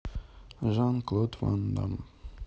жан клод ван дам